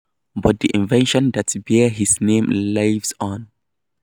But the invention that bears his name lives on.